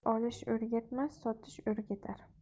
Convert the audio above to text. olish o'rgatmas sotish o'rgatar